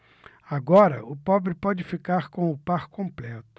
agora o pobre pode ficar com o par completo